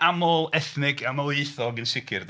Amlethnig, amlieithog yn sicr.